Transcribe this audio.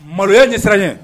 Maloya ye siran n ye